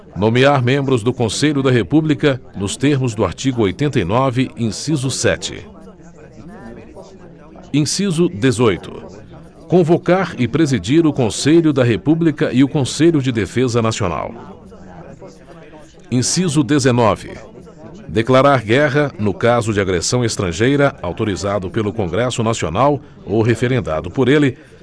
nomear membros do conselho da república nos termos do artigo oitenta e nove inciso sete inciso dezoito convocar e presidir o conselho da república e o conselho de defesa nacional inciso dezenove declarar guerra no caso de agressão estrangeira autorizado pelo congresso nacional ou referendado por ele